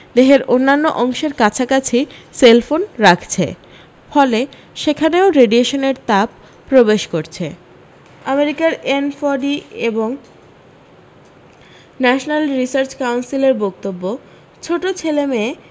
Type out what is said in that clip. দেহের অন্যান্য অংশের কাছাকাছি সেলফোন রাখছে ফলে সেখানেও রেডিয়েশনের তাপ প্রবেশ করছে আমেরিকার এনফডি এবং ন্যাশনাল রিসার্চ কাউন্সিলের বক্তব্য ছোট ছেলেমেয়ে